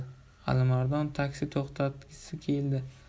alimardon taksi to'xtatgisi keldi